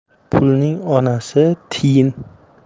pulning onasi tiyin